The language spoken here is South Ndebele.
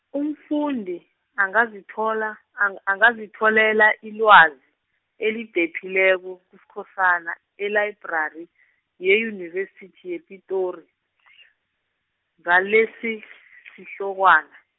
umfundi, angazithola, ang- angazitholela ilwazi, elidephileko, kuSkhosana, elayibrari, yeyunivesithi yePitori, ngalesisihlokwana.